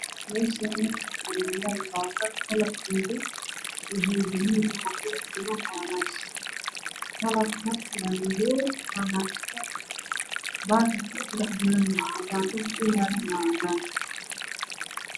Meeshaani waxa yaalo baakad kalarkeedu waa yahay buluug waxaa ku dhex jiro kalarka waa madow baakadka oo ku dhex jiro waa cadaan dhulka uu yaalana waa cadaan